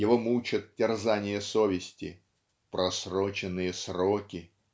его мучат терзания совести "просроченные сроки"